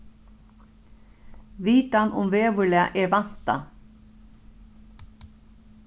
vitan um veðurlag er væntað